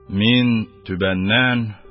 Мин түбәннән